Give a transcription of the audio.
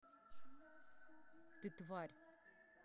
ты тварь